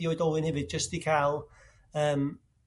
i oedolyn hefyd jyst i cael yrm